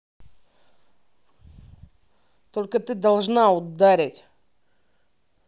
только ты должна ударить